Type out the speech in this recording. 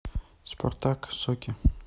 спартак соки